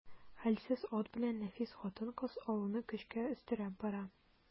Хәлсез ат белән нәфис хатын-кыз авылны көчкә өстерәп бара.